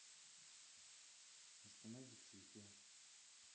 остановить видео